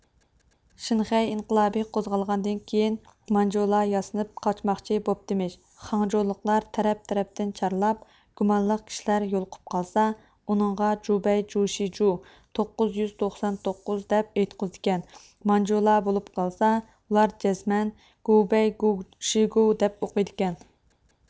شىنخەي ئىنقىلابى قوزغالغاندىن كېيىن مانجۇلار ياسىنىپ قاچماقچى بوپتىمىش خاڭجۇلۇقلار تەرەپ تەرەپتىن چارلاپ گۇمانلىق كىشىلەر يولۇقۇپ قالسا ئۇنىڭغا جۇبەي جۇشىجۇ توققۇز يۈز توقسان توققۇز دەپ ئېيتقۇزىدىكەن مانجۇلار بولۇپ قالسا ئۇلار جەزمەن گۇۋبەي گۇۋ شىگۇۋ دەپ ئوقۇيدىكەن